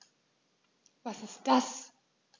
Was ist das?